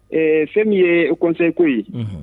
Ɛɛ fɛn min ye haut conseil ko ye. Unhun!